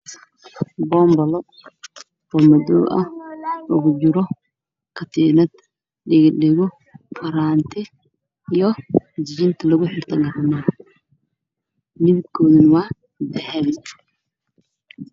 Waa boonbolo madow ah oo uu ku jiro katiinad